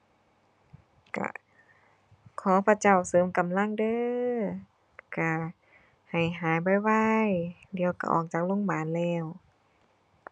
ก็ขอพระเจ้าเสริมกำลังเด้อ ก็ให้หายไวไว เดี๋ยวก็ออกจากโรงบาลแล้ว